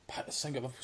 pa- sai'n gwbo